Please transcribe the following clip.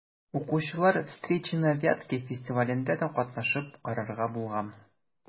Укучылар «Встречи на Вятке» фестивалендә дә катнашып карарга булган.